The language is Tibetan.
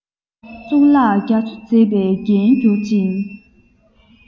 གཙུག ལག རྒྱ མཚོ མཛེས པའི རྒྱན གྱུར ཅིག